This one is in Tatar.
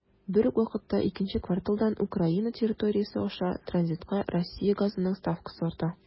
Бер үк вакытта икенче кварталдан Украина территориясе аша транзитка Россия газының ставкасы арта.